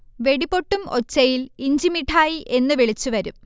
വെടിപൊട്ടും ഒച്ചയിൽ ഇഞ്ചിമിഠായി എന്ന് വിളിച്ച് വരും